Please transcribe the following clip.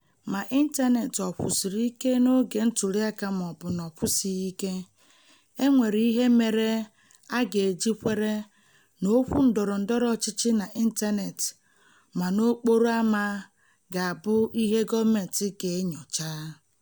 Ma ịntaneetị ọ kwụsiri ike n'oge ntụliaka ma ọ bụ na ọ kwụsịghị ike, e nwere ihe mere a ga-eji kwere na okwu ndọrọ ndọrọ ọchịchị n'ịntaneetị ma n'okporo ámá ga-abụ ihe gọọmentị ga-enyocha.